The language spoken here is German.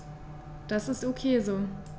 Das ist ok so.